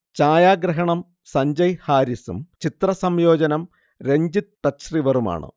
ഛായാഗ്രഹണം സഞ്ജയ് ഹാരിസും ചിത്രസംയോജനം രഞ്ജിത്ത് ടച്ച് റിവറുമാണ്